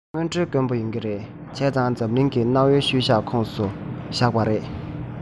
དངོས འབྲེལ དཀོན པོ ཡིན གྱི རེད བྱས ཙང འཛམ གླིང གི གནའ བོའི ཤུལ བཞག ཁོངས སུ བཞག པ རེད